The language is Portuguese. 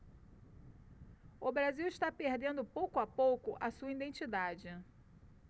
o brasil está perdendo pouco a pouco a sua identidade